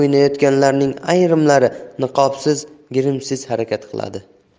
rol o'ynayotganlarning ayrimlari niqobsiz grimsiz harakat qiladi